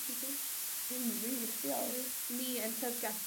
...sut wyt ti? Dwi'n wych ddiolch. Wych. Ni yn llyfrgell...